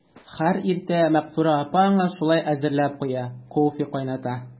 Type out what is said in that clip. Һәр иртә Мәгъфүрә апа аңа шулай әзерләп куя, кофе кайната.